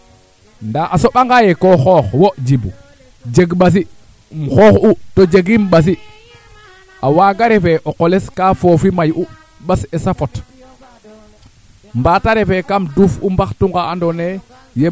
ten i moƴ nan gilwaa no ndiig soyit ten i moƴatu ngim i leya nga to rooge reka tax ndax a kooma lu te leyna yee xan ta demb o yooga ngee waaga jeg probleme